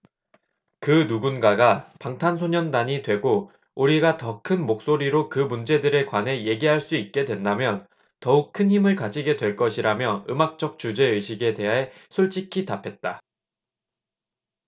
그 누군가가 방탄소년단이 되고 우리가 더 큰 목소리로 그 문제들에 관해 얘기할 수 있게 된다면 더욱 큰 힘을 가지게 될 것이라며 음악적 주제의식에 대해 솔직히 답했다